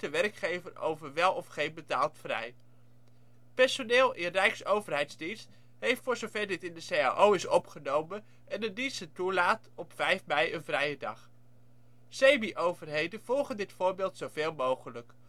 werkgever over wel of geen betaald vrij. Personeel in (rijks) overheidsdienst heeft voor zover dit in de cao is opgenomen en de dienst het toelaat op 5 mei een vrije dag. Semi-overheden volgen dit voorbeeld zoveel mogelijk